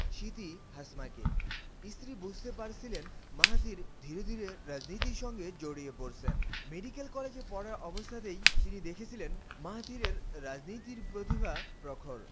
সিঁথি হাসমাকে স্ত্রী বুঝতে পারছিলেন মাহাথির ধীরে ধীরে রাজনীতির সঙ্গে জড়িয়ে পড়ছেন মেডিকেল কলেজে পড়া অবস্থাতেই তিনি দেখেছিলেন মাহাথিরের রাজনীতির প্রতিভা প্রখর